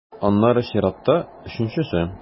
Аннары чиратта - өченчесе.